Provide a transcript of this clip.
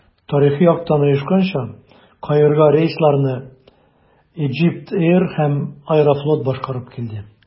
Тарихи яктан оешканча, Каирга рейсларны Egypt Air һәм «Аэрофлот» башкарып килде.